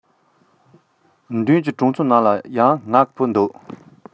མདུན གྱི གྲོང ཚོ ཡ ན ངའི བུ འདུག